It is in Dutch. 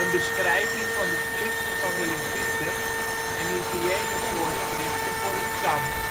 beschrijving van de plichten van de Levieten, en hygiënevoorschriften voor het kamp